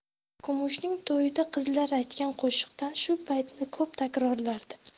kumushning to'yida qizlar aytgan qo'shiqdan shu baytni ko'p takrorlardi